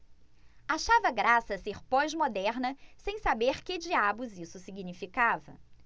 achava engraçado ser pós-moderna sem saber que diabos isso significava